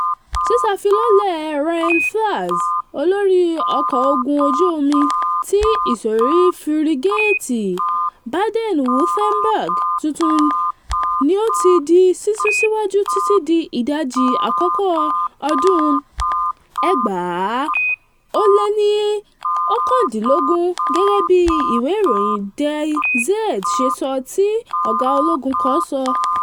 Síṣàfilọ́lẹ̀ "Rheinland-Pfalz," olórí ọkọ̀ ogun ojú omi tí ìsọ̀rí fírígéètì Baden-Wuerttemberg tuntun nini, ni ó ti di sísún ṣíwájú títi di ìdájì àkọ́kọ́ ọdún 2019, gẹ́gẹ́bi ìwé ìròyìn Die Zeit ṣe sọ tí ọgá ológun kan sọ.